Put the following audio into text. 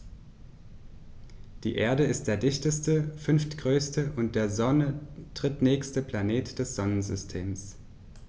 Die Erde ist der dichteste, fünftgrößte und der Sonne drittnächste Planet des Sonnensystems.